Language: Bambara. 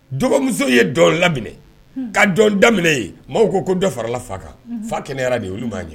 Dɔgɔmuso ye dɔn daminɛ; un; ka dɔn daminɛ ye, mɔgɔw ko ko dɔ farala fa kan; unhun; fa kɛnɛyara de, olu m'a ɲɛ